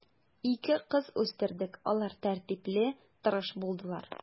Ике кыз үстердек, алар тәртипле, тырыш булдылар.